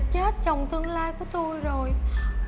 chết chồng tương lai của tôi rồi